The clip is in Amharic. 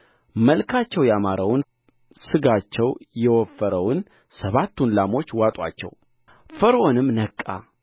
መልካቸው ያማረውን ሥጋቸው የወፈረውን ሰባቱን ላሞች ዋጡአቸው ፈርዖንም ነቃ